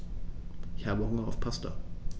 Ich habe Hunger auf Pasta.